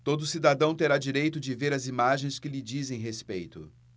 todo cidadão terá direito de ver as imagens que lhe dizem respeito